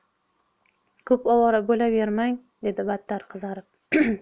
ko'p ovora bo'lavermang dedi battar qizarib